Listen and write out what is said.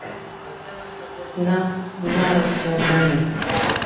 на на расслабоне